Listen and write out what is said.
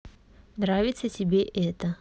нравится тебе это